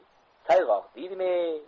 sayg'oq deydimi ey